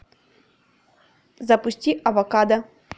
запусти авокадо